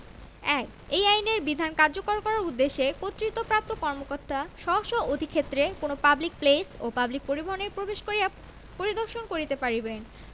১ এই আইনের বিধান কার্যকর করার উদ্দেশ্যে কর্তৃত্বপ্রাপ্ত কর্মকর্তা স্ব স্ব অধিক্ষেত্রে কোন পাবলিক প্লেস ও পাবলিক পরিবহণে প্রবেশ করিয়া পরিদর্শন করিতে পারিবেন